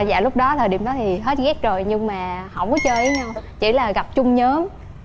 dạ lúc đó thời điểm đó thì hết ghét rồi nhưng mà không có chơi với nhau chỉ là gặp chung nhóm